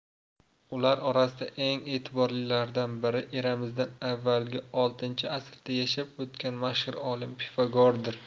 ular orasida eng e'tiborlilaridan biri eramizdan avvalgi vi asrda yashab o'tgan mashhur olim pifagordir